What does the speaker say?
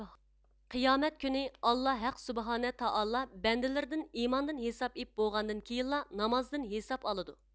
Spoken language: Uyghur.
قىيامەت كۈنى ئاللا ھەق سوبھانەتائالا بەندىلىرىدىن ئىماندىن ھېساب ئېلىپ بولغاندىن كېيىنلا نامازدىن ھېساب ئالىدۇ